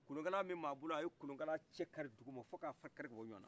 kolonkala min bɛ a bolo a ye kolonkala cɛ kari duguma fo kari k' a bɔ ɲɔgɔn na